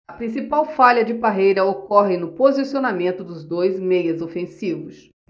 a principal falha de parreira ocorre no posicionamento dos dois meias ofensivos